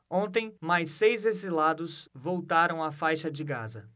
ontem mais seis exilados voltaram à faixa de gaza